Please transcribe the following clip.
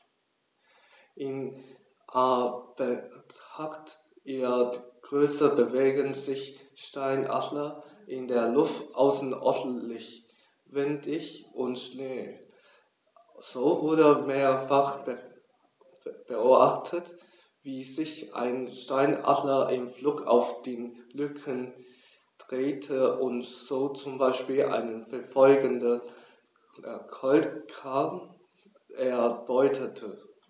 In Anbetracht ihrer Größe bewegen sich Steinadler in der Luft außerordentlich wendig und schnell, so wurde mehrfach beobachtet, wie sich ein Steinadler im Flug auf den Rücken drehte und so zum Beispiel einen verfolgenden Kolkraben erbeutete.